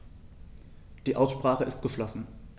Die Aussprache ist geschlossen.